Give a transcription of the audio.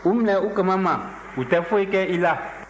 u minɛ u kaman ma u tɛ foyi kɛ i la